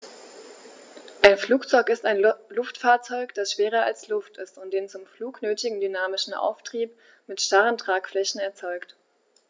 Ein Flugzeug ist ein Luftfahrzeug, das schwerer als Luft ist und den zum Flug nötigen dynamischen Auftrieb mit starren Tragflächen erzeugt.